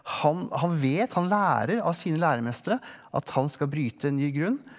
han han vet han lærer av sine læremestere at han skal bryte ny grunn.